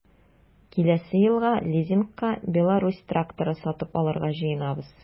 Киләсе елга лизингка “Беларусь” тракторы сатып алырга җыенабыз.